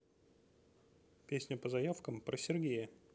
песня по заявкам про сергея